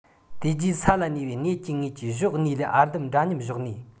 དེ རྗེས ས ལ ཉེ བའི གནས ཀྱི ངོས ཀྱི གཞོགས གཉིས ལས ཨར འདམ འདྲ མཉམ གཞོག ནས